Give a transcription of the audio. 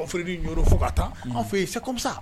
Ni y fo k ka taa fɔ e yemisa